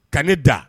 Ka ne da